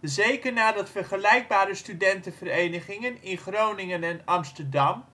zeker nadat vergelijkbare studentenverenigingen in Groningen en Amsterdam